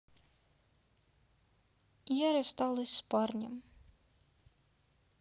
я рассталась с парнем